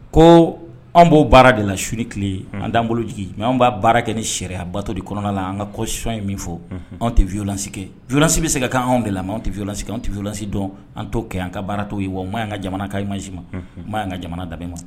Koo anw b'o baara de la su ni tile unhun an t'an bolo jigin mais anw b'a baara kɛ ni charia bato de kɔnɔna la an ŋa constitution ye min fɔ unhun anw tɛ violence kɛ violence bɛ se ka kɛ anw de la mais anw tɛ violence kɛ anw tɛ violence dɔn an t'o kɛ an ka baara t'o ye wa o maɲi an ŋa jamana ka image ma unhun o ma y'an ŋa jamana danbe ma